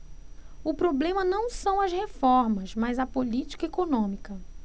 o problema não são as reformas mas a política econômica